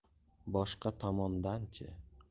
boshqa tomondanchi